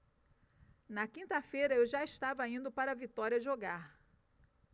na quinta-feira eu já estava indo para vitória jogar